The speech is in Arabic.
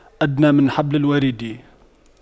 أدنى من حبل الوريد